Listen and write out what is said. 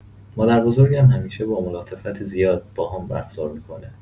مادربزرگم همیشه با ملاطفت زیاد باهام رفتار می‌کنه.